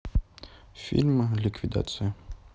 фильм ликвидация